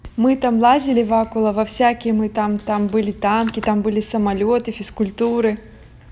мы там лазили vakula во всякие мы там там были танки там были самолеты физкультуры